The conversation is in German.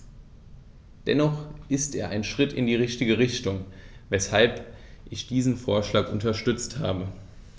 Dennoch ist er ein Schritt in die richtige Richtung, weshalb ich diesen Vorschlag unterstützt habe.